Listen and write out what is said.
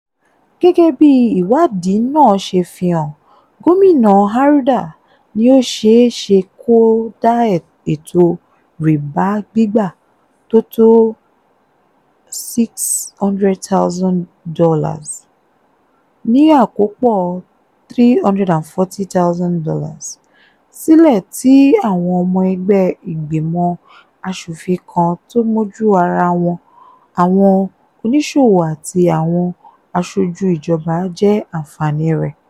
Gẹ́gẹ́ bí ìwádìí náà ṣe fi hàn, Gómìnà Arruda ni ó ṣeé ṣe kó da ètò rìbá gbígbà tó tó R$ 600,000 (ní àkópọ̀ $340,000) sílẹ̀ tí àwọn ọmọ ẹgbẹ́ ìgbìmọ̀ aṣòfin kan tó mojú ara wọn, àwọn oníṣòwò àti àwọn aṣojú ìjọba jẹ aǹfààní rẹ̀.